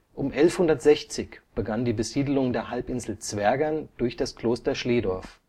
Um 1160 begann die Besiedelung der Halbinsel Zwergern durch das Kloster Schlehdorf